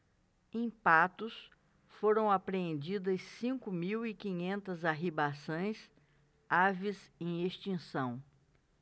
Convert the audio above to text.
em patos foram apreendidas cinco mil e quinhentas arribaçãs aves em extinção